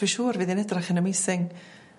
Dwi'n siŵr fydd 'i'n edrych yn amazing.